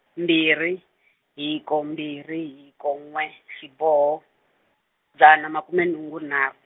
mbirhi, hiko mbirhi hiko n'we, xiboho, dzana makume nhungu nharhu.